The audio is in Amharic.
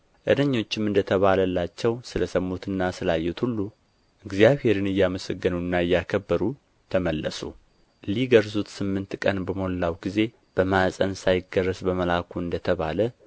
እረኞችም እንደ ተባለላቸው ስለ ሰሙትና ስላዩት ሁሉ እግዚአብሔርን እያመሰገኑና እያከበሩ ተመለሱ ሊገርዙት ስምንት ቀን በሞላ ጊዜ በማኅፀን ሳይረገዝ በመልአኩ እንደ ተባለ